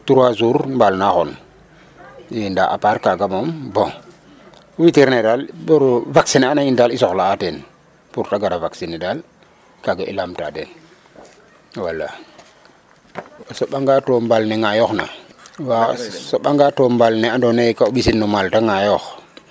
Ndaa a part kaaga moom bon veterinaire daal pour o vacciner a nin ten i soxla'aa teen pour ta gara vacciner daal kaaga i lamta den wala a soɓanga to mbaal ne ŋaayooxna a soɓanga to mbaal ne andoona yee ko ɓisin no maal ta ŋaayoox.